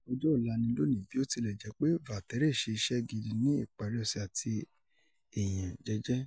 Ọjọ́ ńlá ní lòní. Bí ó tilẹ̀ jẹ́ pé Valtteri ṣe iṣẹ́ gidi ní ìparí ọ̀sẹ̀ àti èèyàn jẹ́jẹ́.